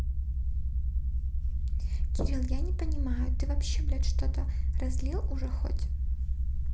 кирилл я не понимаю ты вообще блядь что что то разлил уже хоть